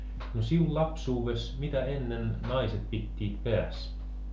no sinulla lapsuudessa mitä ennen naiset pitivät päässä